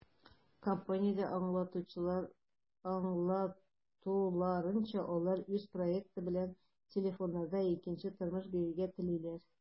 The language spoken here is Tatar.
Компаниядә аңлатуларынча, алар үз проекты белән телефоннарга икенче тормыш бирергә телиләр.